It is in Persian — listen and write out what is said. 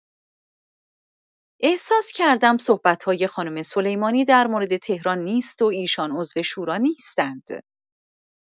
احساس کردم صحبت‌های خانم سلیمانی در مورد تهران نیست و ایشان عضو شورا نیستند.